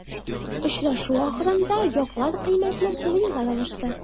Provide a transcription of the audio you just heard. Очрашу ахырында яклар кыйммәтле сувенирлар алышты.